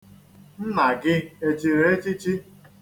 Nna gị e chiri echiche?